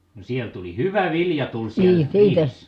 no siellä tuli hyvä vilja tuli siellä riihessä